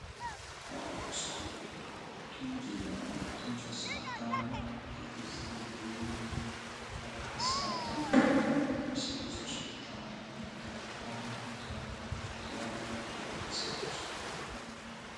Halkaan waa musqul tuunji yaalo midabkiisa waa cadaan